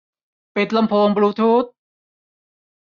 ปิดลำโพงบลูทูธ